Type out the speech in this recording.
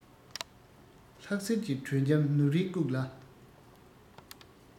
ལྷག ཟེར གྱི དྲོད འཇམ ནུབ རིས བཀུག ལ